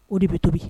O de bɛ tobi